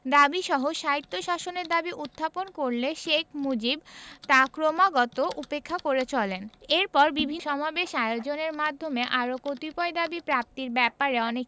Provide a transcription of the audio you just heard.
দাবীসহ স্বায়ত্বশাসনের দাবী উত্থাপন করলে শেখ মুজিব তা ক্রমাগত উপেক্ষা করে চলেন এরপর বিভিন্ন সামবেশ আয়োজনের মাধ্যমে আরো কতিপয় দাবী প্রাপ্তির ব্যপারে অনেক